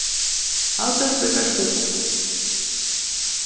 haldórsvíkar skúli